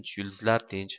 yulduzlar tinch